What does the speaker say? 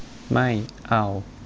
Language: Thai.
ไม่เอา